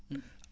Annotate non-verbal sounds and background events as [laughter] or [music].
[hesitation]